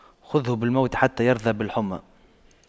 خُذْهُ بالموت حتى يرضى بالحُمَّى